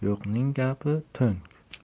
yo'qning gapi to'ng